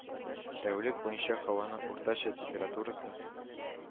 Тәүлек буенча һаваның уртача температурасы